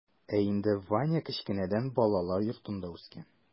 Ә инде ваня кечкенәдән балалар йортында үскән.